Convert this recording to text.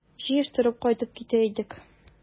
Җыештырып кайтып китә идек...